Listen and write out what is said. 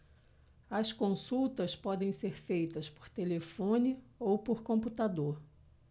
as consultas podem ser feitas por telefone ou por computador